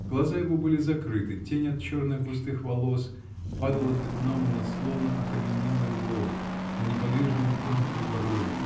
Глаза его были закрыты, тень от черных густых волос падала пятном на словно окаменелый лоб, на недвижные тонкие брови